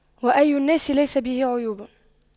وأي الناس ليس به عيوب